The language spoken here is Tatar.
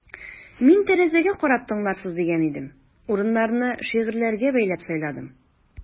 Мин тәрәзәгә карап тыңларсыз дигән идем: урыннарны шигырьләргә бәйләп сайладым.